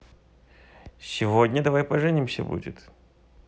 сегодня давай поженимся будет